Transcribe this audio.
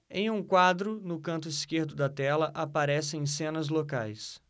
em um quadro no canto esquerdo da tela aparecem cenas locais